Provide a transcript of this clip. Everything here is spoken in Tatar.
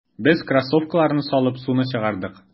Без кроссовкаларны салып, суны чыгардык.